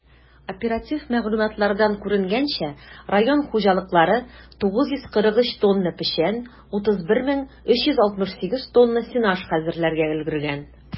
Оператив мәгълүматлардан күренгәнчә, район хуҗалыклары 943 тонна печән, 31368 тонна сенаж хәзерләргә өлгергән.